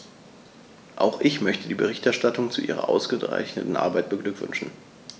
Auch ich möchte die Berichterstatterin zu ihrer ausgezeichneten Arbeit beglückwünschen.